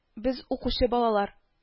Без, укучы балалар